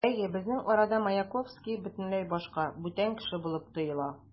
Әйе, безнең арадагы Маяковский бөтенләй башка, бүтән кеше булып тоела.